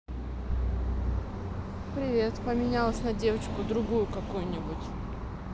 привет поменялась на девочку другую какую нибудь